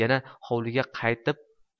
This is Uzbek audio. yana hovliga qaytib